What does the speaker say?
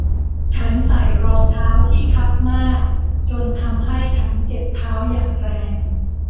ฉันใส่รองเท้าที่คับมากจนทำให้ฉันเจ็บเท้าอย่างแรง